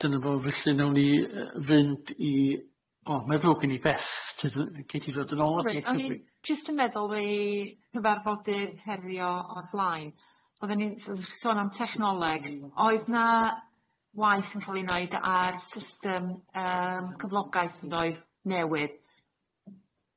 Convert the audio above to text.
Dyna fo felly nawn ni yy fynd i, o mae'n ddrwg gen i Beth tydd yy gei di dod yn ôl reit o'n i jyst yn meddwl i cyfarfodydd herio o'r blaen oddan ni'n s- sôn am technoleg oedd na waith yn ca'l i neud ar system yym cyflogaeth yn ddoe newydd.